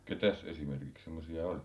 ketäs esimerkiksi semmoisia oli